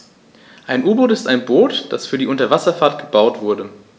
Ein U-Boot ist ein Boot, das für die Unterwasserfahrt gebaut wurde.